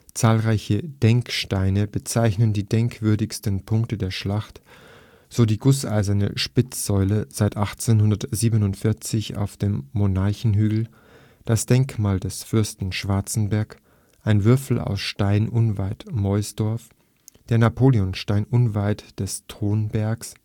Zahlreiche Denksteine bezeichnen die denkwürdigsten Punkte der Schlacht, so die gusseiserne Spitzsäule (seit 1847) auf dem „ Monarchenhügel “, das Denkmal des Fürsten Schwarzenberg (ein Würfel aus Stein unweit Meusdorf), der Napoleonstein unweit des Thonbergs